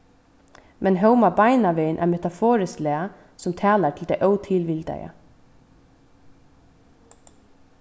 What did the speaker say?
men hóma beinanvegin eitt metaforiskt lag sum talar til tað ótilvitaða